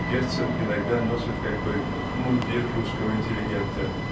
Герцен иногда носит как бы мундир русского интеллигента